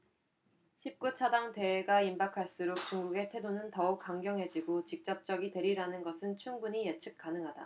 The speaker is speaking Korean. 십 구 차 당 대회가 임박할수록 중국의 태도는 더욱 강경해지고 직접적이 되리리라는 것은 충분히 예측 가능하다